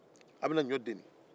a' bɛna ɲɔ doni